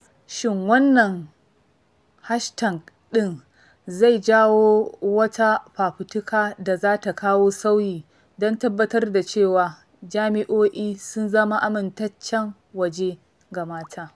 Shin wannan 'hashtag' ɗin zai jawo wata fafutuka da za ta kawo sauyi don tabbatar da cewa jami'o'i sun zama amintaccen waje ga mata?